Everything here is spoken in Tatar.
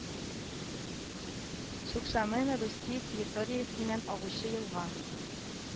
Шукшамена Русия территориясеннән агучы елга